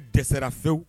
Dɛsɛra fewu